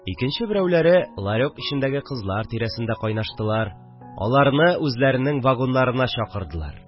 Икенче берәүләре ларек эчендәге кызлар тирәсендә кайнаштылар, аларны үзләренең вагоннарына чакырдылар